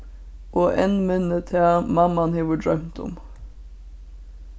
og enn minni tað mamman hevur droymt um